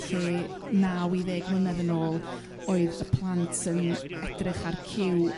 lle naw i ddeg mlynedd yn ôl oedd y plant yn edrych ar Cyw